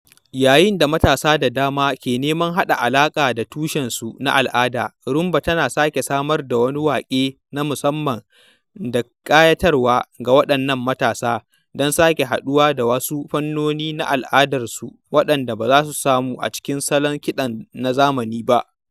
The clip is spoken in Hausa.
Yayin da matasa da dama ke neman haɗa alaƙa da tushensu na al’adu, Rhumba tana sake samar da wani waƙe na musamman da ƙayatarwa ga waɗannan matasa, don sake haɗuwa da wasu fannoni na al’adarsu waɗanda ba za su samu a cikin salon kiɗa na zamani ba.